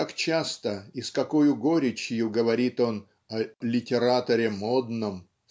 как часто и с какою горечью говорит он о "литераторе модном